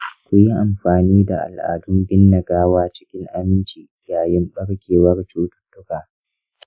ku yi amfani da al'adun binne gawa cikin aminci yayin barkewar cututtuka.